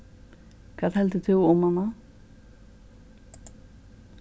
hvat heldur tú um hana